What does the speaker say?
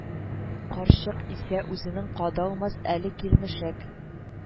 Карчык исә үзенең: "Кадалмас әле, килмешәк